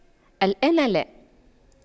الآن لاء